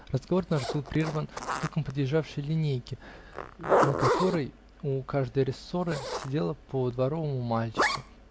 Разговор наш был прерван стуком подъезжавшей линейки, на которой у каждой рессоры сидело по дворовому мальчику.